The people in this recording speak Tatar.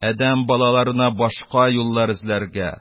Адәм балаларына башка юллар эзләргә,